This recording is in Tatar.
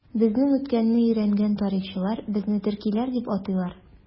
Безнең үткәнне өйрәнгән тарихчылар безне төркиләр дип атыйлар.